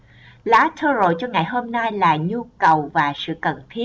lá tarot cho ngày hôm nay là nhu cầu và sự cần thiết